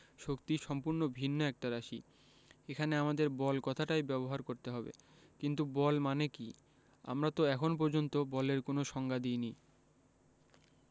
শক্তি সম্পূর্ণ ভিন্ন একটা রাশি এখানে আমাদের বল কথাটাই ব্যবহার করতে হবে কিন্তু বল মানে কী আমরা তো এখন পর্যন্ত বলের কোনো সংজ্ঞা দিইনি